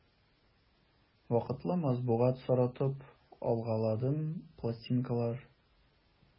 Вакытлы матбугат соратып алгаладым, пластинкалар...